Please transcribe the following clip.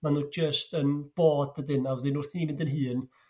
Ma' nhw jyst yn bod dydyn? a wedyn wrth i ni fynd yn hŷn...